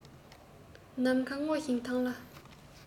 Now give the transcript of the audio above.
ནམ མཁའ སྔོ ཞིང དྭངས ལ